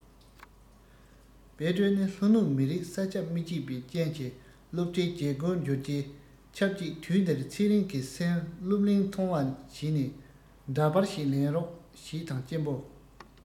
དཔལ སྒྲོན ནི ལྷོ ནུབ མི རིགས ས ཆ མི གཅིག པའི རྐྱེན གྱི སློབ གྲྭའི རྒྱལ སྒོར འབྱོར རྗེས ཆབ གཅིག དུས དེར ཚེ རིང གི སེམས སློབ མིང མཐོང བ བྱས ནས འདྲ པར ཞིག ལེན རོགས བྱེད དང གཅེན པོ